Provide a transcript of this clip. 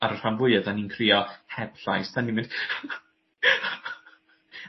ar y rhan fwya 'dan ni'n crio heb llais 'dan ni'n mynd